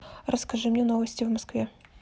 расскажи мне новости в москве